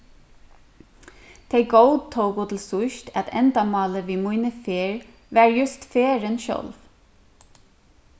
tey góðtóku til síðst at endamálið við míni ferð var júst ferðin sjálv